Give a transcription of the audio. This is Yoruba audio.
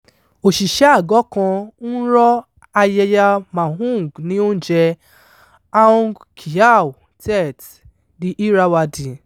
Òṣìṣẹ́ àgọ̀ kan ń rọ Ayeyar Maung ní oúnjẹ. / Aung Kyaw Htet / The Irrawaddy